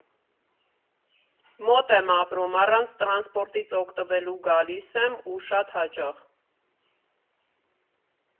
Մոտ եմ ապրում, առանց տրանսպորտից օգտվելու գալիս եմ, ու շատ հաճախ։